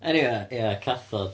Eniwe ie cathod.